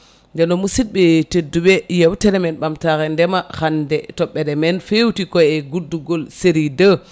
nden noon musibɓe tedduɓe yewtere men ɓamtare ndeema hande toɓɓere men fewti ko e guddugol série